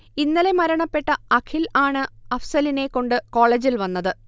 ഇന്നലെ മരണപ്പെട്ട അഖിൽ ആണ് അഫ്സലിനെ കൊണ്ട് കോളേജിൽ വന്നത്